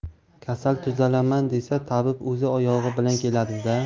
kasal tuzalaman desa tabib o'z oyog'i bilan keladida